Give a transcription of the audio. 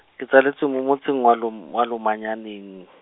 ke tsaletswe mo motseng wa Lom- Lomanyaneng.